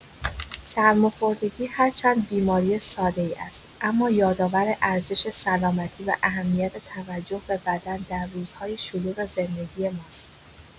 سرماخوردگی هرچند بیماری ساده‌ای است، اما یادآور ارزش سلامتی و اهمیت توجه به بدن در روزهای شلوغ زندگی ماست.